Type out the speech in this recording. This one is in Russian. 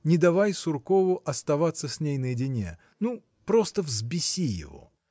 не давай Суркову оставаться с ней наедине. ну, просто взбеси его.